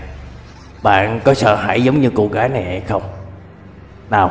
bạn có sợ hãi giống như cô gái này không